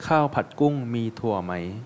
ข้าวผัดกุ้งมีถั่วไหม